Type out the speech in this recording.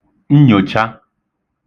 nnyòcha